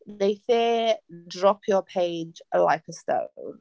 Wneith e dropio Paige like a stone.